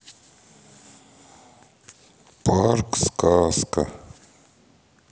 парк сказка